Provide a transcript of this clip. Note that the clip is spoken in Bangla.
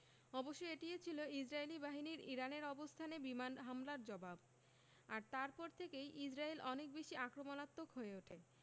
অবশ্য এটিও ছিল ইসরায়েলি বাহিনীর ইরানের অবস্থানে বিমান হামলার জবাব আর তারপর থেকেই ইসরায়েল অনেক বেশি আক্রমণাত্মক হয়ে ওঠে